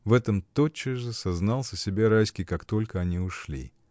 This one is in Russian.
В этом тотчас же сознался себе Райский, как только они ушли.